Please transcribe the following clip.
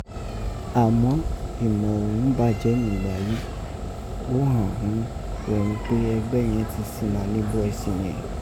Ama imọ́ òghun bàjẹ́ nùgbà yìí ó hàn ghún òghun pé ẹgbẹ́ yẹ̀n ti sìnà níbo ẹ̀sìn yẹ̀n.